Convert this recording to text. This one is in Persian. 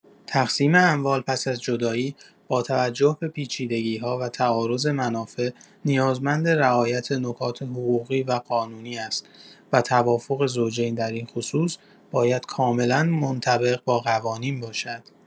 تقسیم اموال پس از جدایی، با توجه به پیچیدگی‌ها و تعارض منافع، نیازمند رعایت نکات حقوقی و قانونی است و توافق زوجین در این خصوص باید کاملا منطبق با قوانین باشد.